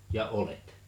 ja oljet